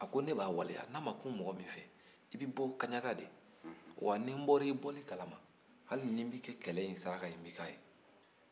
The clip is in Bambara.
a ko ne b'a waleya n'a ma kun mɔgɔ min fɛ i bɛ bɔ kaɲaga de wa ni n bɔra i bɔli kalama hali ni n b'i kɛ kɛlɛ in saraka